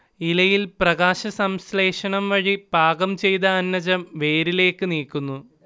ഇലയിൽ പ്രകാശസംശ്ലേഷണം വഴി പാകം ചെയ്ത അന്നജം വേരിലേക്ക് നീക്കുന്നു